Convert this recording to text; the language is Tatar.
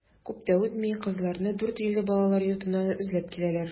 Күп тә үтми кызларны Дүртөйле балалар йортыннан эзләп киләләр.